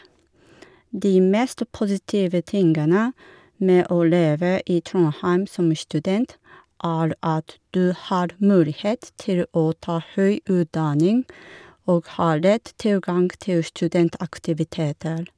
De mest positive tingene med å leve i Trondheim som student, er at du har mulighet til å ta høy utdanning og har lett tilgang til studentaktiviteter.